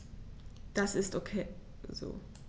Das ist ok so.